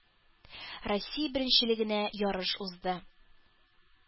Россия беренчелегенә ярыш узды.